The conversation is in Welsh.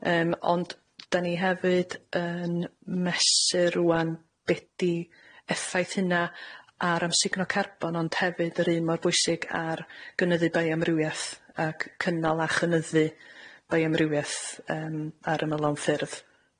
Yym, ond 'dan ni hefyd yn mesur rŵan be' 'di effaith hynna ar amsugno carbon, ond hefyd yr un mor bwysig ar gynyddu bioamrywiaeth ac cynnal a chynyddu bioamrywiaeth yym ar ymylon ffyrdd.